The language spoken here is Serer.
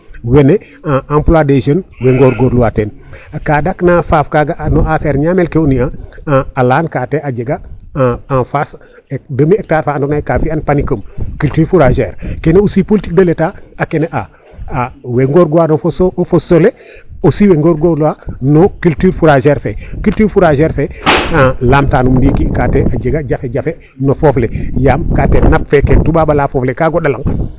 Wene emploie des jeune owey ngoorngoorluwaa teen .Ka dakna faaf kaaga no affaire ñaamel ke nuya a laka te a jega en face ben Etat fa andoona yee ka fi'aa panicome culture foulagère kene aussi politique de l' Etat a kene awey ngoorngoorluwaa no fo sow ,fo siis ole aussi a ngoorngoorluwaa no culture foulagère fe culture foulagère fe a lam tanum ndiiki te a jega jafe jafe no foof le yaam ka te nape fe ken toubab a laya foof le kaa goɗaa lanq.